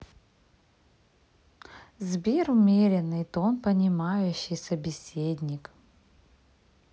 сбер умеренный тон понимающий собеседник